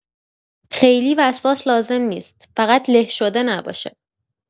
خیلی وسواس لازم نیست، فقط له‌شده نباشه.